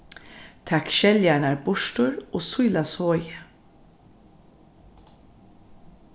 tak skeljarnar burtur og síla soðið